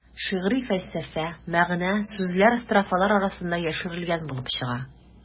Шигъри фәлсәфә, мәгънә-сүзләр строфалар арасына яшерелгән булып чыга.